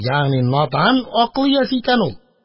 Ягъни надан хаким иясе икән ул.